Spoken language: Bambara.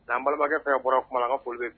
Nkababakɛ ka bɔra kuma kaoli